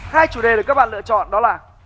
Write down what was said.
hai chủ đề được các bạn lựa chọn đó là